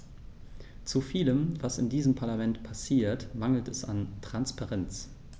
Zu vielem, was in diesem Parlament passiert, mangelt es an Transparenz.